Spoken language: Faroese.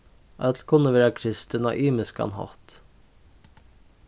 øll kunnu vera kristin á ymiskan hátt